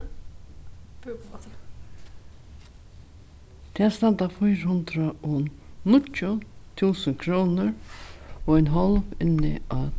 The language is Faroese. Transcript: tað standa fýra hundrað og níggju túsund krónur og ein hálv inni á